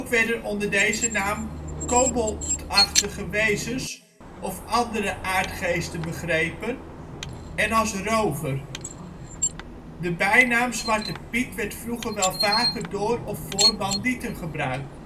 werden onder deze naam koboldachtige wezens of andere aardgeesten begrepen en als rover [noot 4]. De bijnaam ' Zwarte Piet ' werd vroeger wel vaker door of voor bandieten gebruikt